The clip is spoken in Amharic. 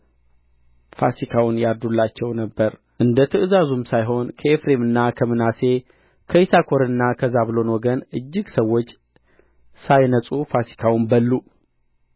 ፋሲካውን ያርዱላቸው ነበር እንደ ትእዛዙም ሳይሆን ከኤፍሬምና ከምናሴ ከይሳኮርና ከዛብሎንም ወገን እጅግ ሰዎች ሳይነጹ ፋሲካውን በሉ